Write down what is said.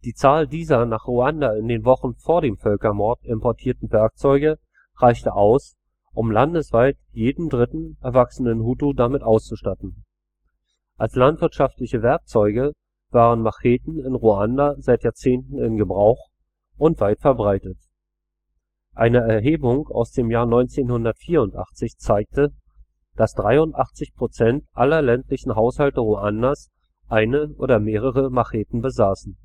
Zahl dieser nach Ruanda in den Wochen vor dem Völkermord importierten Werkzeuge reichte aus, um landesweit jeden dritten erwachsenen Hutu damit auszustatten. Als landwirtschaftliche Werkzeuge waren Macheten in Ruanda seit Jahrzehnten in Gebrauch und weit verbreitet. Eine Erhebung aus dem Jahr 1984 zeigte, dass 83 Prozent aller ländlichen Haushalte Ruandas eine oder mehrere Macheten besaßen